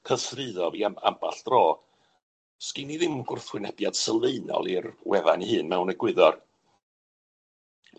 cythruddo fi am- amball dro, sgin i ddim gwrthwynebiad sylfaenol i'r wefan 'i hun mewn egwyddor.